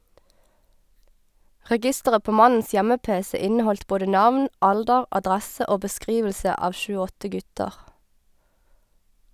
Registeret på mannens hjemme-pc inneholdt både navn, alder, adresse og beskrivelse av sju-åtte gutter.